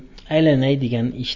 aylanay deganini eshitib